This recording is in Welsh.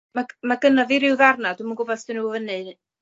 Ma' ma' gynna fi ryw ddarna dwi'm yn gwbo os 'dyn nw fyny